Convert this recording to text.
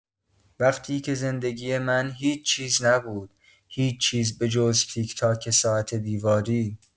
وقتی‌که زندگی من هیچ‌چیز نبود، هیچ‌چیز به‌جز تیک‌تاک ساعت دیواری.